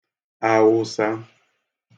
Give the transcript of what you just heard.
Awụsa